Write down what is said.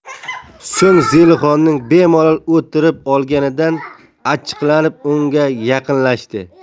so'ng zelixonning bemalol o'tirib olganidan achchiqlanib unga yaqinlashdi